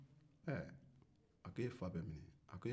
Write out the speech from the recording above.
a ko e fa bɛ min wa